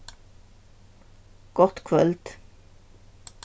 gott kvøld